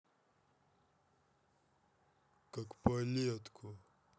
как палетку